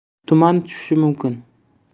tuman tushishi mumkin